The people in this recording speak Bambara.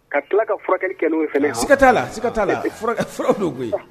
Ka tila ka furakɛ kɛlɛ sika la koyi